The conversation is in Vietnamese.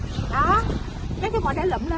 đó lát hồi hà sẽ lụm